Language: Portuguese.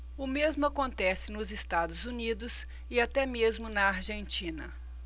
o mesmo acontece nos estados unidos e até mesmo na argentina